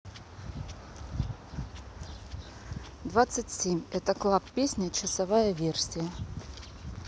двадцать семь это club песня часовая версия